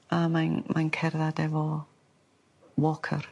A mae'n mae'n cerddad efo walker.